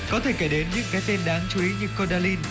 có thể kể đến những cái tên đáng chú ý như co đa lin